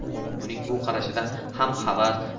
uning bu qarashida ham havas